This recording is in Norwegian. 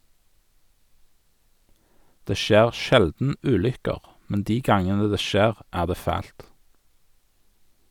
Det skjer sjelden ulykker, men de gangene det skjer, er det fælt.